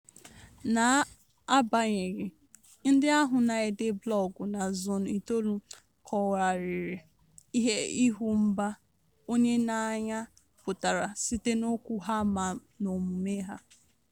Na-agbanyeghị, ndị ahụ na-ede blọọgụ na Zone9 kọwagharịrị ihe ịhụ mba onye n'anya pụtara site n'okwu ha ma n'omume ha.